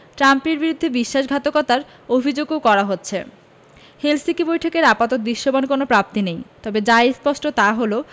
ট্রাম্পের বিরুদ্ধে বিশ্বাসঘাতকতার অভিযোগও করা হচ্ছে হেলসিঙ্কি বৈঠকের আপাতত দৃশ্যমান কোনো প্রাপ্তি নেই তবে যা স্পষ্ট তা হলো